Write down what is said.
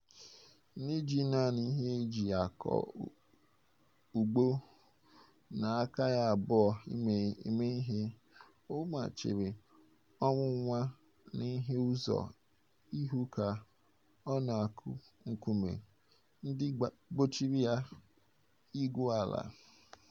N'iji nanị ihe e ji akọ ugbo na aka ya abụọ eme ihe, Ouma chere ọnwụnwa na ihie ụzọ ihu ka ọ na-akụ nkume ndị gbochiri ya igwu ala.